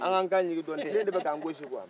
an k'an kan ɲigin dɔɔni tile de bɛ k'an gosi kuwa